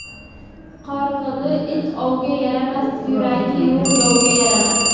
qorg'ili it ovga yaramas yuragi yo'q yovga yaramas